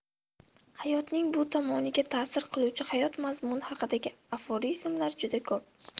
hayotning bu tomoniga ta'sir qiluvchi hayot mazmuni haqidagi aforizmlar juda ko'p